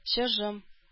Чыжым